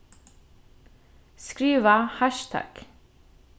skriva hassjtagg